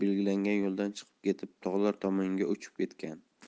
belgilangan yo'ldan chiqib ketib tog'lar tomonga uchib ketgan